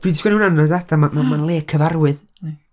Dwi 'di 'sgwennu hwnna'n y nodiadau, ma- ma- ma'n le cyfarwydd.